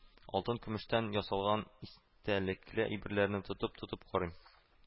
Алтын-көмештән ясалган истәлекле әйберләрен тотып-тотып карыйм